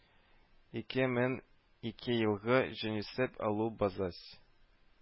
Икең мең ике елгы җанисәп алу базэс